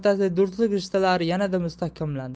o'rtasidagi do'stlik rishtalari yanada mustahkamlandi